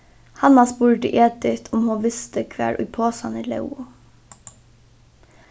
hanna spurdi edit um hon visti hvar ið posarnir lógu